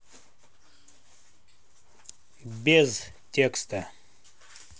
без текста